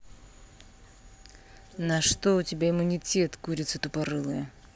на что у тебя иммунитет курица тупорылая